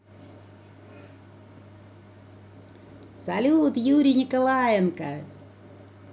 салют юрий николаенко